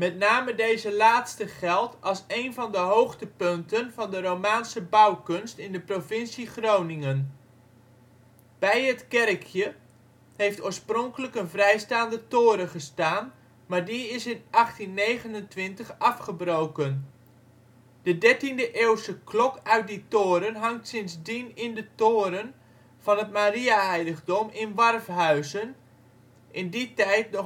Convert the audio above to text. name deze laatste geldt als een van de hoogtepunten van de romaanse bouwkunst in de provincie Groningen. Bij het kerkje heeft oorspronkelijk een vrijstaande toren gestaan, maar die is in 1829 afgebroken. De dertiende-eeuwse klok uit die toren hangt sindsdien in de toren van het Mariaheiligdom in Warfhuizen, in die tijd